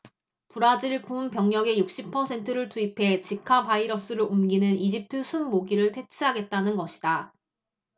브라질 군 병력의 육십 퍼센트를 투입해 지카 바이러스를 옮기는 이집트 숲 모기를 퇴치하겠다는 것이다